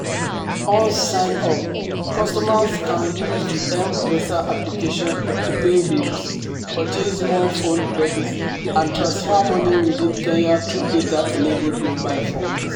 Once signed-up, customers can use the M-Pesa application to pay bills, purchase more phone credits and transfer money within Kenya through data-enabled mobile phones.